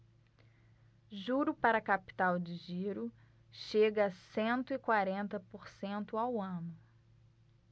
juro para capital de giro chega a cento e quarenta por cento ao ano